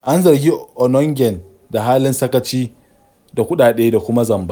An zargi Onnoghen da halin sakaci da kuɗaɗe da kuma zamba.